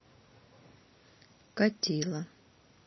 катила